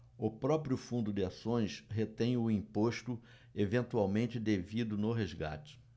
o próprio fundo de ações retém o imposto eventualmente devido no resgate